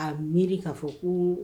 A miiri k'a fɔ ko